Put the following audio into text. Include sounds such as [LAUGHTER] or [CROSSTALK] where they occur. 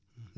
[HESITATION] [HESITATION]